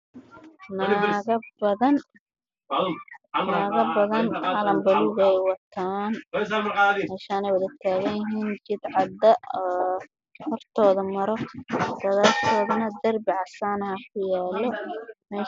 Waa naago meel banaan taagan oo hayaan calanka soomaaliya